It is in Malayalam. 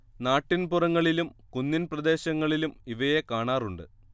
നാട്ടിൻ പുറങ്ങളിലും കുന്നിൻ പ്രദേശങ്ങളിലും ഇവയെ കാണാറുണ്ട്